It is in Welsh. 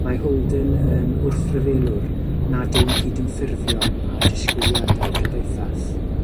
Mae Holden yn wrthryfelwr nad yw'n cydymffurfio â disgwyliadau cymdeithas.